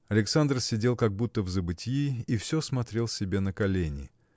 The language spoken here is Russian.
Александр сидел как будто в забытьи и все смотрел себе на колени.